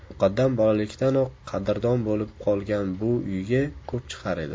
muqaddam bolalikdanoq qadrdon bo'lib qolgan bu uyga ko'p chiqar edi